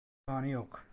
umidi yo'qning imoni yo'q